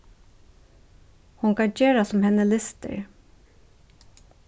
hon kann gera sum henni lystir